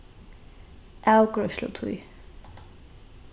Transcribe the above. avgreiðslutíð